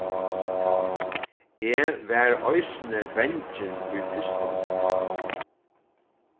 eg var eisini bangin í fyrstuni